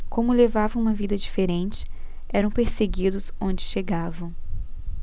como levavam uma vida diferente eram perseguidos onde chegavam